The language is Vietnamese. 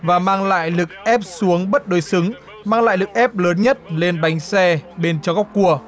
và mang lại lực ép xuống bất đối xứng mang lại lực ép lớn nhất lên bánh xe bên trong góc cua